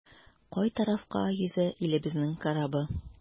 Кай тарафка таба йөзә илебезнең корабы?